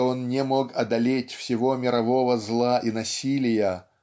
что он не мог одолеть всего мирового зла и насилия